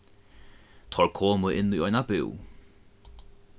teir komu inn í eina búð